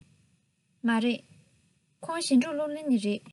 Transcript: མ རེད ཁོང ཞིང འབྲོག སློབ གླིང ནས རེད